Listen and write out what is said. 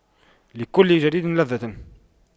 لكل جديد لذة